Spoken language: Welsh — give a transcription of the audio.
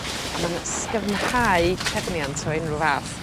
a ma'n ysgyfnhau trefniant o unryw fath.